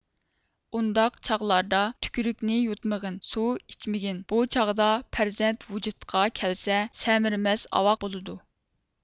ئۇنداق چاغلاردا تۈكۈرۈكنى يۇتمىغىن سۇ ئىچمىگىن بۇچاغدا پەرزەنت ۋۇجۇدقا كەلسە سەمرىمەس ئاۋاق بولىدۇ